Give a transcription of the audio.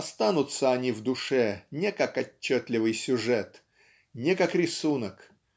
Останутся они в душе не как отчетливый сюжет не как рисунок